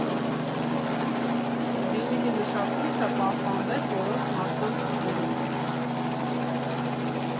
Վինիլի մշակույթը պահպանվեց որոշ մարդկանց տներում։